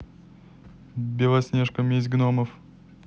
белоснежка месть гномов